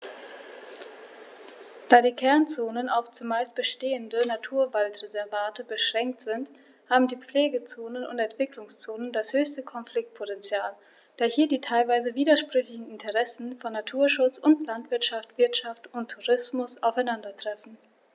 Da die Kernzonen auf – zumeist bestehende – Naturwaldreservate beschränkt sind, haben die Pflegezonen und Entwicklungszonen das höchste Konfliktpotential, da hier die teilweise widersprüchlichen Interessen von Naturschutz und Landwirtschaft, Wirtschaft und Tourismus aufeinandertreffen.